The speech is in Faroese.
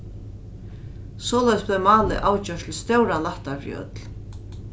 soleiðis bleiv málið avgjørt til stóran lætta fyri øll